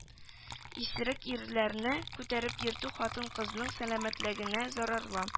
Исерек ирләрне күтәреп йөртү хатын-кызның сәламәтлегенә зарарлы